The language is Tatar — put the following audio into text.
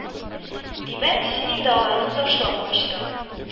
Димәк, син инде аларны ташлап качтың